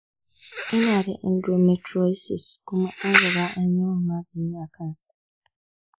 ina da endometriosis kuma an riga an yi min magani a kansa.